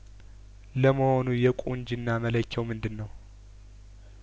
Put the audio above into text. ለመሆኑ የቁንጅና መለኪያው ምንድነው